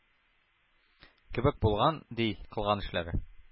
Кебек булган, ди, кылган эшләре